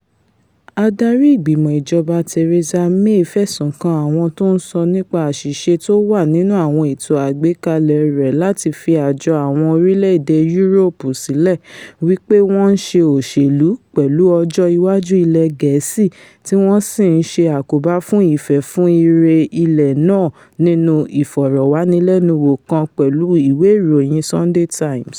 Àdari Ìgbìmọ̀ Ìjọba Theresa May fẹ̀sùn kan àwọn tó ńsọ nípa ȧṣiṣe tówà nínú àwọn ètò àgbékalẹ rẹ̀ láti fi Àjọ Àwọn orílẹ̀-èdè Yúróòpù sílẹ̀ wí pé wọ́n ''ńṣe òṣèlú́'' pẹ̀lú ọjọ́ iwájú ilẹ̀ Gẹ̀ẹ́sì tí wọn sì ńṣe àkóbá fún ìfẹ́-fún-ire ilẹ̀ náà nínú ìfọ̀rọ̀wánilẹ́nuwò kan pẹlu ìwé ìròyìn Sunday Times.